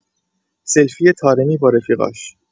سلفی طارمی با رفیقاش